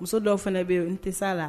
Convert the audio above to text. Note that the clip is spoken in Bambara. Muso dɔw fana bɛ yen tɛsa la